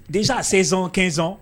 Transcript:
Dɛsɛsa sensan kɛnsɔn